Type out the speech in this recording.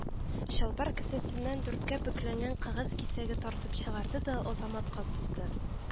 Чалбар кесәсеннән дүрткә бөкләнгән кәгазь кисәге тартып чыгарды да Азаматка сузды